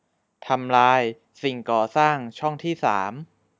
ทำลายสิ่งก่อสร้างช่องที่สาม